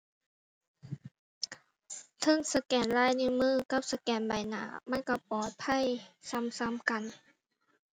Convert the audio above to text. เทิงสแกนลายนิ้วมือกับสแกนใบหน้า มันก็ปลอดภัยส่ำส่ำกัน